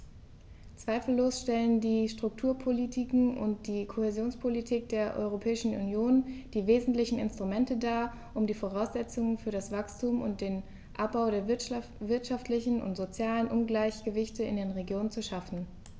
Zweifellos stellen die Strukturpolitiken und die Kohäsionspolitik der Europäischen Union die wesentlichen Instrumente dar, um die Voraussetzungen für das Wachstum und den Abbau der wirtschaftlichen und sozialen Ungleichgewichte in den Regionen zu schaffen.